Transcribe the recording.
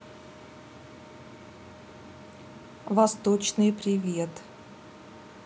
восточный привет